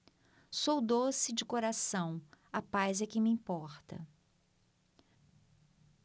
sou doce de coração a paz é que me importa